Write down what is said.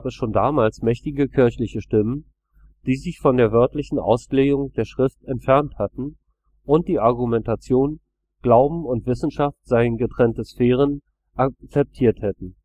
schon damals mächtige kirchliche Stimmen, die sich von der wörtlichen Auslegung der Schrift entfernt hatten und die Argumentation, Glauben und Wissenschaft seien getrennte Sphären, akzeptiert hatten